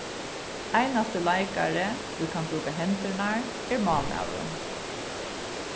einasti leikari ið kann brúka hendurnar er málmaðurin